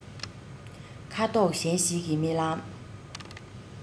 ཁ དོག གཞན ཞིག གི རྨི ལམ